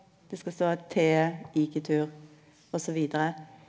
det skal stå T og så vidare.